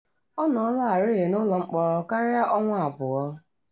Ọ nọlarị n'ụlọ mkpọrọ karịa ọnwa abụọ.